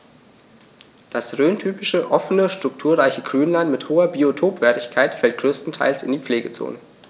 Das rhöntypische offene, strukturreiche Grünland mit hoher Biotopwertigkeit fällt größtenteils in die Pflegezone.